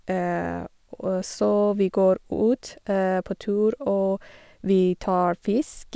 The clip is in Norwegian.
Og så vi går ut på tur, og vi tar fisk.